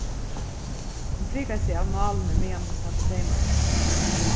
hon prikaði seg av nálini meðan hon sat og seymaði